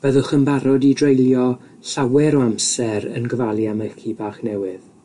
Byddwch yn barod i dreulio llawer o amser yn gofalu am y ci bach newydd,